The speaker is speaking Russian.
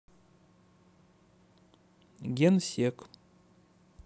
генсек